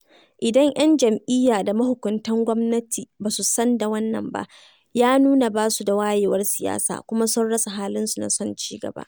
Idan 'yan jam'iyya da mahukuntan gwamnati ba su san da wannan ba, ya nuna ba su da wayewar siyasa kuma sun rasa halinsu na son cigaba.